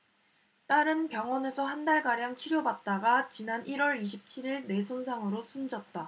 딸은 병원에서 한 달가량 치료받다가 지난 일 월 이십 칠 일 뇌 손상으로 숨졌다